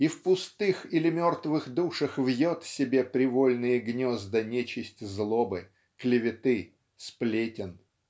и в пустых или мертвых душах вьет себе привольные гнезда нечисть злобы клеветы сплетен.